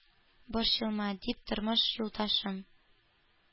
«борчылма, дип, тормыш юлдашым,